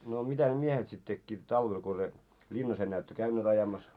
no mitä ne miehet sitten tekivät talvella kun se linnassa enää ette käyneet ajamassa